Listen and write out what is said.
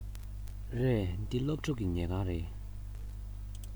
རེད འདི སློབ ཕྲུག གི ཉལ ཁང རེད